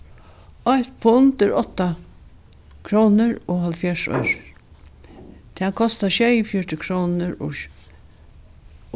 eitt pund er átta krónur og hálvfjerðs oyrur tað kostar sjeyogfjøruti krónur